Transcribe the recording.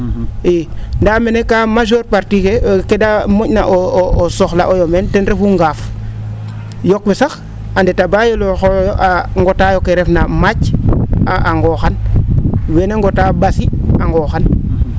ii ndaa mene kaa majeur partie kee da mo?na o soxla'ooyo meen ten refu ngaaf yoq we sax a ndetaa baa a nqotaayo ke refna maac a nqooxan wene nqota ?asi a nqoxan